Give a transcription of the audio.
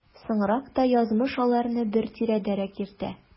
Соңрак та язмыш аларны бер тирәдәрәк йөртә.